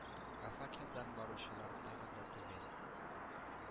Ә «факел»дан баручылар тагын да түбән